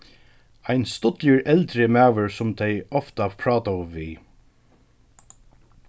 ein stuttligur eldri maður sum tey ofta prátaðu við